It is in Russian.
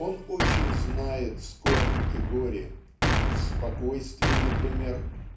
Он очень знает скорбь и горе в "Спокойствии" например